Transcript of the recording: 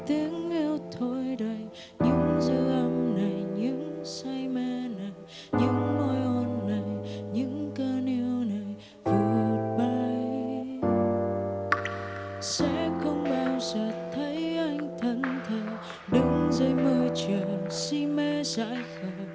tiếng yêu thôi đầy những dư âm này những say mê này những môi hôn này những cơn yêu này vụt bay sẽ không bao giờ thấy anh thẫn thờ đứng dưới mưa chờ si mê dại khờ